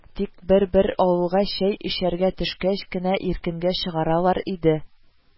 Тик бер-бер авылга чәй эчәргә төшкәч кенә иркенгә чыгаралар иде